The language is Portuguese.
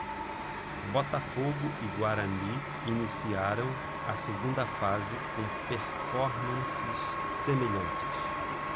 botafogo e guarani iniciaram a segunda fase com performances semelhantes